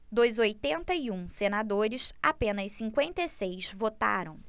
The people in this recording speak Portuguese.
dos oitenta e um senadores apenas cinquenta e seis votaram